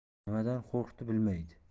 nimadan qo'rqdi bilmaydi